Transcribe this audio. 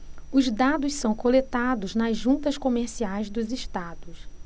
os dados são coletados nas juntas comerciais dos estados